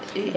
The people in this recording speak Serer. i i